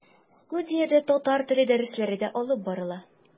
Студиядә татар теле дәресләре дә алып барыла.